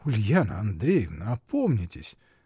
— Ульяна Андреевна, опомнитесь!